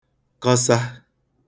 kọsa